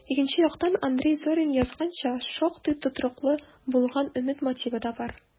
Икенче яктан, Андрей Зорин язганча, шактый тотрыклы булган өмет мотивы да бар: